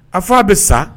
A fa' a bɛ sa